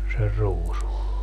sen ruusun